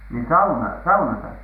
niin - saunassa